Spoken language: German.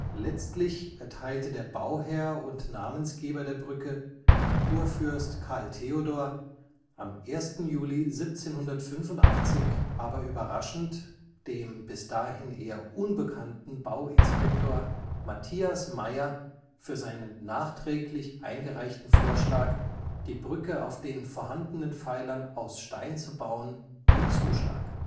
Letztlich erteilte der Bauherr und Namensgeber der Brücke, Kurfürst Karl Theodor, am 1. Juli 1785 aber überraschend dem bis dahin eher unbekannten Bauinspektor Mathias Mayer für seinen nachträglich eingereichten Vorschlag, die Brücke auf den vorhandenen Pfeilern aus Stein zu bauen, den Zuschlag